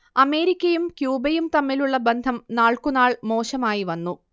അമേരിക്കയും ക്യൂബയും തമ്മിലുള്ള ബന്ധം നാൾക്കുനാൾ മോശമായി വന്നു